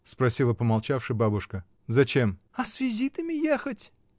— спросила, помолчавши, бабушка. — Зачем? — А с визитами ехать?